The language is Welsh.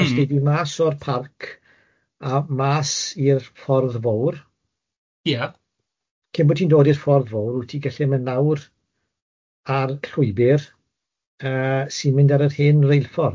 ...os gei di mas o'r parc a mas i'r ffordd fowr... Ia. ...cyn bo' ti'n dod i'r ffordd fowr wyt ti'n gallu mynd lawr ar llwybr yy sy'n mynd ar yr hen reilffordd